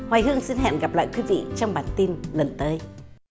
hoài hương xin hẹn gặp lại quý vị trong bản tin lần tới